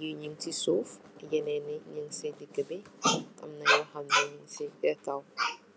yenanyi nyu si suf ynenyi nyu si digibi am yenen yu ne si pegabi.